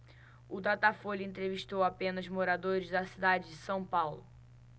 o datafolha entrevistou apenas moradores da cidade de são paulo